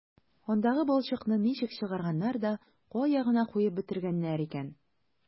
Андагы балчыкны ничек чыгарганнар да кая гына куеп бетергәннәр икән...